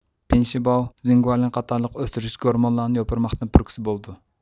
پېنشىباۋ زېڭگۇالىڭ قاتارلىق ئۆستۈرگۈچى گورمونلارنى يوپۇرماقتىن پۈركۈسە بولىدۇ